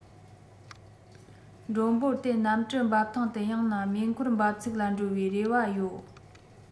མགྲོན པོ དེར གནམ གྲུ འབབ ཐང དུ ཡང ན མེ འཁོར འབབ ཚུགས ལ འགྲོ བའི རེ བ ཡོད